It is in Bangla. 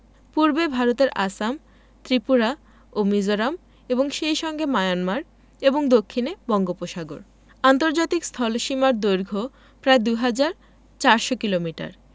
পূর্বে ভারতের আসাম ত্রিপুরা ও মিজোরাম এবং সেই সঙ্গে মায়ানমার এবং দক্ষিণে বঙ্গোপসাগর আন্তর্জাতিক স্থলসীমার দৈর্ঘ্য প্রায় ২হাজার ৪০০ কিলোমিটার